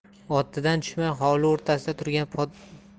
otdan tushmay hovli o'rtasida turgan